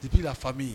De b'i la fa ye